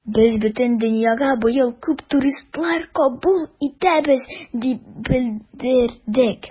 Без бөтен дөньяга быел күп туристлар кабул итәбез дип белдердек.